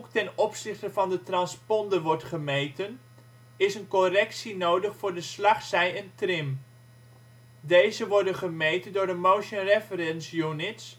ten opzichte van de transponder wordt gemeten, is een correctie nodig voor de slagzij en trim. Deze worden gemeten door de Motion Reference Units